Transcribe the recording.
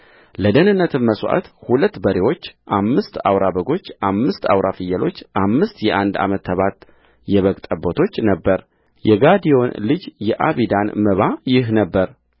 ለደኅንነትም መሥዋዕት ሁለት በሬዎች አምስት አውራ በጎች አምስት አውራ ፍየሎች አምስት የአንድ ዓመት ተባት የበግ ጠቦቶች ነበረ የጋዴዮን ልጅ የአቢዳን መባ ይህ ነበረ